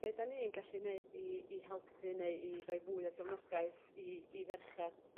be' 'dan ni yn gallu neud i i helpu neu i roi fwy o gefnogaeth i i ferchad?